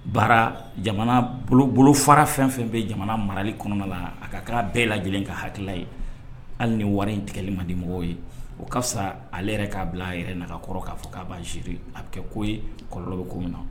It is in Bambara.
Baara jamana bolofara fɛn o fɛn bɛ jamana marali kɔnɔna na a ka k'a bɛɛ lajɛlen ka hakilila ye hali ni wari in tigɛli man di mɔgɔw ye o ka fisa ale yɛrɛ k'a bila a yɛrɛ nagakɔrɔ k'a fɔ k'a b'a gerer a bɛ kɛ ko ye kɔlɔlɔ bɛ ko min na